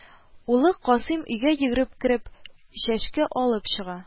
Улы Касыйм, өйгә йөгереп кереп, чәшке алып чыга